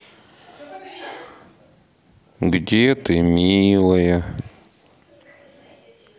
где ты милая